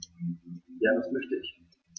Ja, das möchte ich.